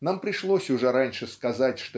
Нам пришлось уже раньше сказать